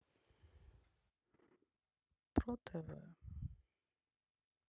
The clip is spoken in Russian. про тв